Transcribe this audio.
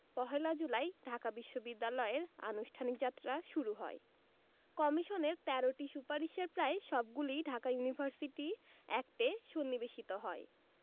১ July Dhaka বিশ্ববিদ্যালয়ের আনুষ্ঠানিক যাত্রা শুরু হয় কমিশনের ১৩টি সুপারিশের প্রায় সবগুলিই ঢাকা ইউনিভার্সিটি অ্যাক্টে সন্নিবেশিত হয়